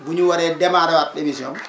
bu ñu waree demarré waat émission bi